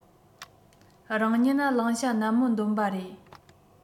རང ཉིད ལ བླང བྱ ནན མོ འདོན པ རེད